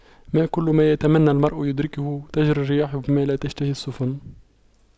ما كل ما يتمنى المرء يدركه تجرى الرياح بما لا تشتهي السفن